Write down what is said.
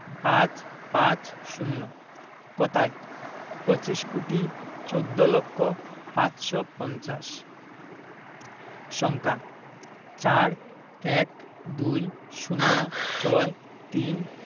৫৫০ কথায়ঃ পঁচিশ কোটি চৌদ্দ লক্ষ পাঁচশো পঞ্চাশ সংখ্যাঃ ৪ ১২ ০৬ ৩